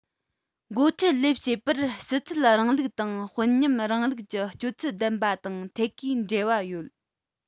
འགོ ཁྲིད ལས བྱེད པར ཕྱི ཚུལ རིང ལུགས དང དཔོན ཉམས རིང ལུགས ཀྱི སྤྱོད ཚུལ ལྡན པ དང ཐད ཀའི འབྲེལ བ ཡོད